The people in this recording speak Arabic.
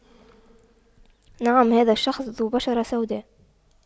نعم هذا الشخص ذو بشرة سوداء